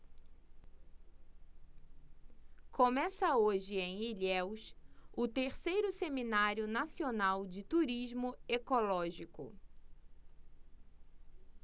começa hoje em ilhéus o terceiro seminário nacional de turismo ecológico